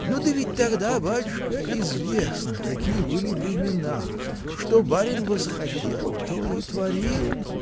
Ну, да ведь тогда, батюшка, известно, какие были времена: что барин восхотел, то и творил.